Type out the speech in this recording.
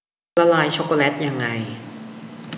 ละลายช็อคโกแลตยังไง